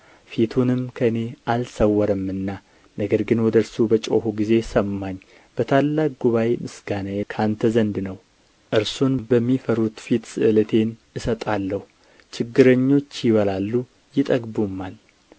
ፊቱንም ከእኔ አልሰወረምና ነገር ግን ወደ እርሱ በጮኽሁ ጊዜ ሰማኝ በታላቅ ጉባኤ ምስጋናዬ ከአንተ ዘንድ ነው እርሱን በሚፈሩት ፊት ስእለቴን እሰጣለሁ ችግረኞች ይበላሉ ይጠግቡማል